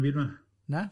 Na?